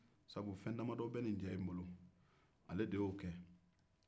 sabu nin cɛ in ye fɛn damadɔ kɛ